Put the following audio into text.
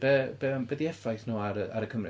Be be am... be 'di effaith nhw ar ar y Cymry?